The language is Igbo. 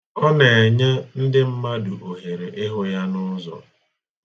Ọ na-enye ndị mmadụ ohere ịhụ ya n'ụzọ.